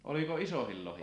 oliko isokin lohi